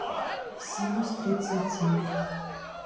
синус тридцати